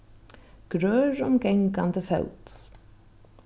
grør um gangandi fót